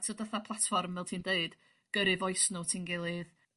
t'od fatha platfform fel ti'n deud gyrru voice note i'n gilydd.